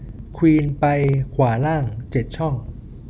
ควีนไปขวาล่างเจ็ดช่อง